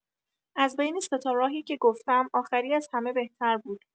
از بین ۳ تا راهی که گفتم آخری از همه بهتر بود.